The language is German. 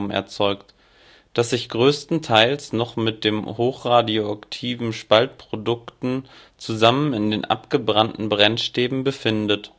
erzeugt, das sich größtenteils noch mit den hochradioaktiven Spaltprodukten zusammen in den abgebrannten Brennstäben befindet